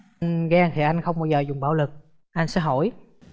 anh ghen thì anh không bao giờ dùng bạo lực anh sẽ hỏi